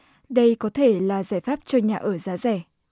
đây có thể là giải pháp cho nhà ở giá rẻ